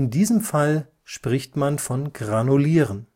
diesem Fall spricht man von Granulieren